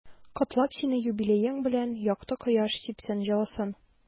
Котлап сине юбилеең белән, якты кояш сипсен җылысын.